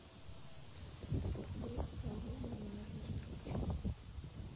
группа lumen между строчек